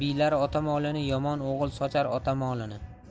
yomon o'g'il sochar ota molini